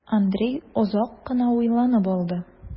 Андрей озак кына уйланып алды.